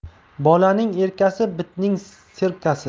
bolaning erkasi bitning sirkasi